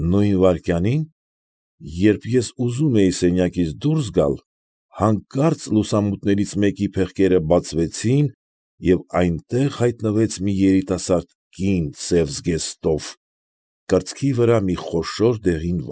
Նույն վայրկյանին, երբ ես ուզում էի սենյակից դուրս գալ, հանկարծ լուսամուտներից մեկի փեղկերը բացվեցին, և այնտեղ հայտնվեց մի երիտասարդ կին սև զգեստով, կրծքի վրամի խոշոր դեղին։